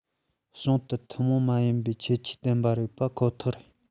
འབྱུང དུ ཐུན མོང མ ཡིན པའི ཁྱད ཡོན ལྡན པ རེད པ ཁོ ཐག རེད